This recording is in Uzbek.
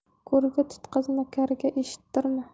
ko'rga tutqazma karga eshittirma